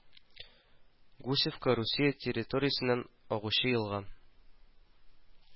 Гусевка Русия территориясеннән агучы елга